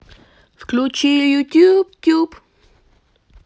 включи ютуб ютуб